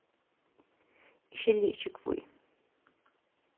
eg skilji ikki hví